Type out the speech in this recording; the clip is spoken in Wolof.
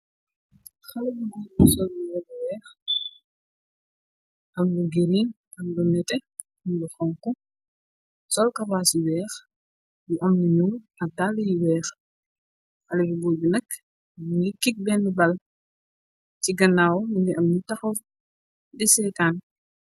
Xale bu gor bu sol yere bu weex am lu giriin, am lu nete, am lu xonxu. Sol kawaas yu weex yu am lu ñuul ak dale yu weex. Xale bu gor bi nakk, mungi kik benn bal. Ci ganawam mungi am nyu taxaw di seetaan.